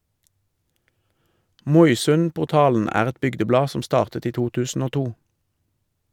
Moisundportalen er et bygdeblad som startet i 2002.